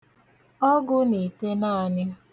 ọgụ̄ nà ìtènàanị